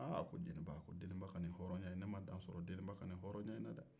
deniba deniba ka nin hɔrɔnya nin ne ma dan sɔrɔ deniba ka nin hɔrɔnya in na dɛ